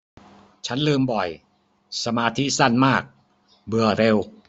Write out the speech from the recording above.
ฉันลืมบ่อยสมาธิสั้นมากเบื่อเร็ว